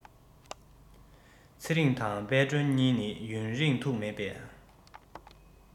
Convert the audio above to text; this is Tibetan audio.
ཚེ རིང དང དཔལ སྒྲོན གཉིས ནི ཡུན རིང ཐུགས མེད པས